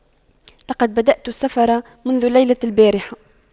لقد بدأت السفر منذ ليلة البارحة